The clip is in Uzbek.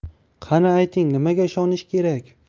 qani ayting nimaga ishonish kerak